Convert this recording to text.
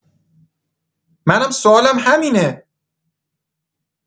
منم سوالم همینه